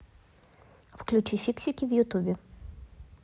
включи фиксики в ютубе